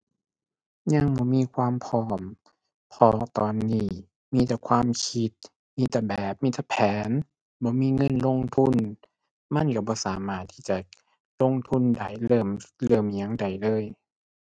ยังบ่มีความพร้อม เพราะว่าตอนนี้มีแต่ความคิด มีแต่แบบ มีแต่แผน บ่มีเงินลงทุน มันก็บ่สามารถที่จะลงทุนได้ เริ่ม เริ่มอิหยังได้เลย